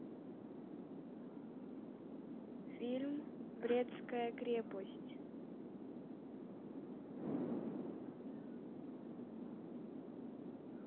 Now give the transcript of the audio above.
фильм брестская крепость